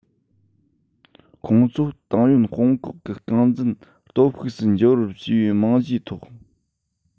ཁོང ཚོ ཏང ཡོན དཔུང ཁག གི རྐང འཛིན སྟོབས ཤུགས སུ འགྱུར བར བྱས པའི རྨང གཞིའི ཐོག